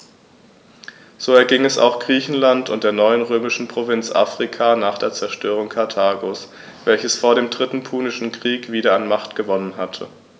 So erging es auch Griechenland und der neuen römischen Provinz Afrika nach der Zerstörung Karthagos, welches vor dem Dritten Punischen Krieg wieder an Macht gewonnen hatte.